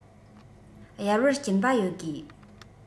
གཡར བར སྐྱིན པ ཡོད དགོས